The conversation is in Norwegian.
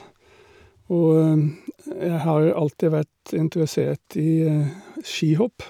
Og jeg har jo alltid vært interessert i skihopp.